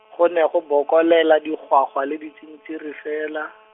go ne go bokolela digwagwa le ditsintsiri fela.